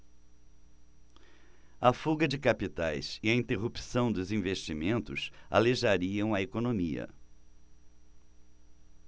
a fuga de capitais e a interrupção dos investimentos aleijariam a economia